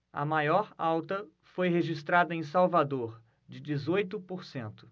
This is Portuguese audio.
a maior alta foi registrada em salvador de dezoito por cento